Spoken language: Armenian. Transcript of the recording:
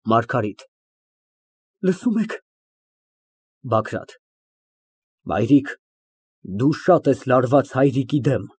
ՄԱՐԳԱՐԻՏ ֊ Լսո՞ւմ եք։ ԲԱԳՐԱՏ ֊ Մայրիկ, դու շատ ես լարված հայրիկի դեմ։